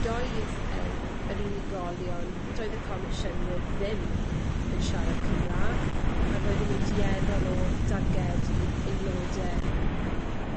Doedd yym yr unigolion yy doedd y Comisiynwyr ddim yn siarad Cymra'g a roedden nw'n dueddol o dargedu aelode